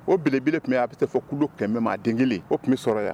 O bbele tun y a bɛ fɔ kulu kɛmɛma den kelen o tun bɛ sɔrɔ yan